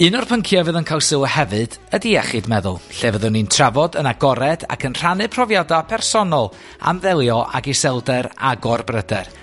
Un o'r pyncie fydd yn ca'l syw hefyd, ydi iechyd meddwl, lle fyddwn ni'n trafod yn agored ac yn rhannu profiada personol am ddelio ag iselder a gor bryder,